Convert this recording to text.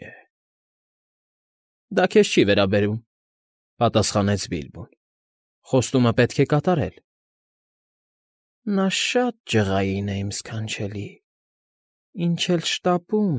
Գոլլմ… ֊ Դա քեզ չի վերաբերում,֊ պատասխանեց Բիլբոն։֊ Խոստումը պետք է կատարել։ ֊ Նա շ֊շ֊շատ ջղային է, իմ ս֊ս֊սքանչելի, ինչ էլ շ֊շ֊շտապում։